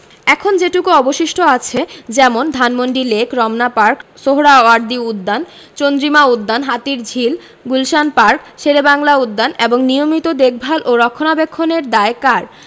এখন যেটুকু অবশিষ্ট আছে যেমন ধানমন্ডি লেক রমনা পার্ক সোহ্রাওয়ার্দী উদ্যান চন্দ্রিমা উদ্যান হাতিরঝিল গুলশান পার্ক শেরেবাংলা উদ্যান এসব নিয়মিত দেখভাল ও রক্ষণাবেক্ষণের দায় কার